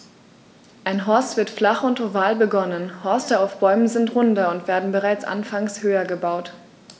Ein Horst wird flach und oval begonnen, Horste auf Bäumen sind runder und werden bereits anfangs höher gebaut.